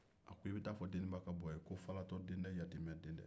a ko e bɛ taa fɔ deninba ka bɔ ye ko falatɔden tɛ yatiimɛden tɛ